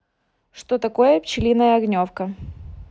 что такое пчелиная огневка